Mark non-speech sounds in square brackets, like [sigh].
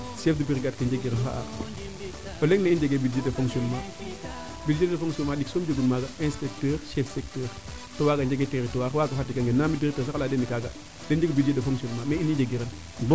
chef de brigade ke njegiran xa'a o leŋ na in jege budjet de fonctionnement budjet de fonctionnement ɗik soom njegun maaga inspecteur chef secteur to waaga njege teritoire Fatick a ngenu [unintelligible] directeur sax leya ma dene kaaga den njeg budjet de fonctionnement nda in i njegiran